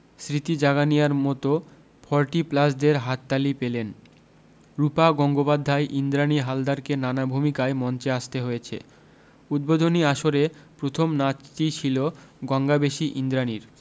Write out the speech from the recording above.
স্মৃতি জাগানিয়ার মতো ফর্টি প্লাসদের হাততালি পেলেন রূপা গঙ্গোপাধ্যায় ইন্দ্রাণী হালদারকে নানা ভূমিকায় মঞ্চে আসতে হয়েছে উদ্বোধনী আসরে প্রথম নাচটিই ছিল গঙ্গাবেশী ইন্দ্রাণীর